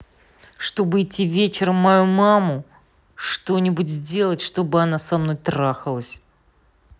чтобы идти вечером мою маму что нибудь сделать чтобы она со мной трахалась